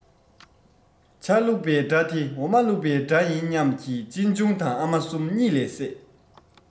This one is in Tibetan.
ཇ བླུག པའི སྒྲ དེ འོ མ བླུག པའི སྒྲ ཡིན ཉམས ཀྱིས གཅེན གཅུང དང ཨ མ གསུམ གཉིད ལས སད